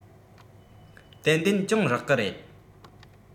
ཏན ཏན གྱོང རག གི རེད